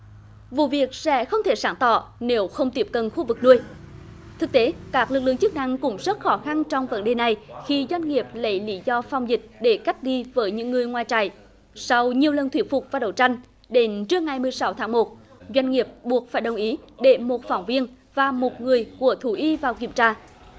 vụ việc sẽ không thể sáng tỏ nếu không tiếp cận khu vực nuôi thực tế các lực lượng chức năng cũng rất khó khăn trong vấn đề này khi doanh nghiệp lấy lý do phòng dịch để cách li với những người ngoài trại sau nhiều lần thuyết phục và đấu tranh đến trưa ngày mười sáu tháng một doanh nghiệp buộc phải đồng ý để một phóng viên và một người của thú y vào kiểm tra